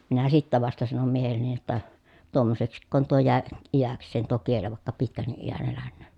minä sitten vasta sanoin miehelleni jotta tuommoiseksiko tuo jäi iäkseen tuo kieli vaikka pitkänkin iän elänen